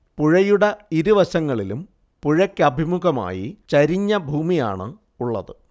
പുഴയുടെ ഇരുവശങ്ങളിലും പുഴയ്ക്കഭിമുഖമായി ചെരിഞ്ഞ ഭൂമിയാണ് ഉള്ളത്